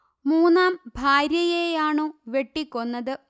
മൂന്നാം ഭാര്യയെയാണു വെട്ടിക്കൊന്നത്